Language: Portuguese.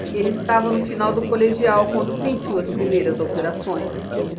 ele estava no final do colegial quando sentiu as primeiras alterações